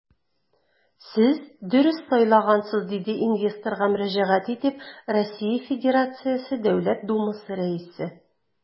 Сез дөрес сайлагансыз, - диде инвесторга мөрәҗәгать итеп РФ Дәүләт Думасы Рәисе.